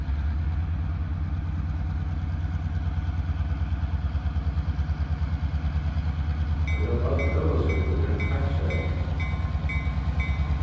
at vera barn á ólavsøku er nakað heilt serligt